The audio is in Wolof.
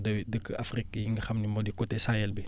dë dëkk Afrique yi nga xam ne moo di côté Sahel bi